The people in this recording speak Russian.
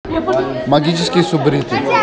магические субтитры